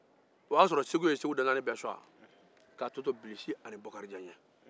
o y'a sɔrɔ sgu ye da naani bɛɛ sɔgɔ k'a tɔ to bakarijan ni bilisi ye